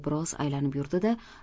biroz aylanib yurdi da